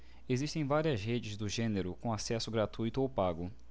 existem várias redes do gênero com acesso gratuito ou pago